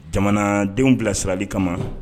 Jamanadenw bilasirali kama